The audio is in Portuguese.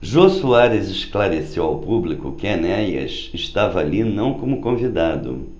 jô soares esclareceu ao público que enéas estava ali não como convidado